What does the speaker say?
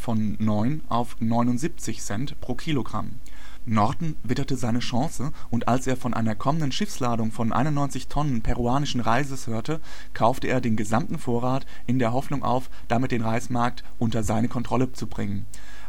von 9 auf 79 Cent pro Kilogramm. Norton witterte seine Chance, und als er von einer kommenden Schiffsladung von 91 Tonnen peruanischen Reises hörte, kaufte er den gesamten Vorrat in der Hoffnung auf, damit den Reismarkt unter seine Kontrolle zu bringen.